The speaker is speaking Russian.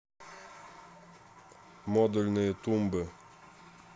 модульные тумбы